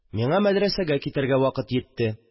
Миңа мәдрәсәгә китәргә вакыт җитте